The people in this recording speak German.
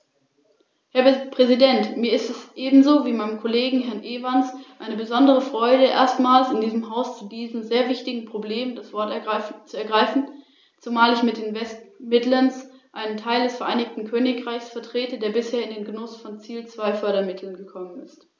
Darin geht es um die Sozialwirtschaft und die Notwendigkeit der Bereitstellung von "social risk capital" und der finanziellen Unterstützung von lokalen Programmen zur Schaffung von Beschäftigungsmöglichkeiten und zur Stärkung des sozialen Zusammenhalts.